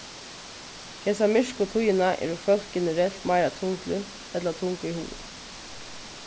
hesa myrku tíðina eru fólk generelt meira tunglynt ella tung í huga